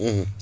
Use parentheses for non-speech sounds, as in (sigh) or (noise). (hesitation) (hesitation)